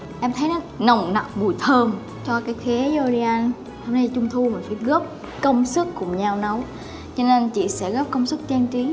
em thấy nó nồng nặc mùi thơm cho cái khế dô đi anh hôm nay trung thu mình phải góp công sức cùng nhau nấu cho nên chị sẽ góp công sức trang trí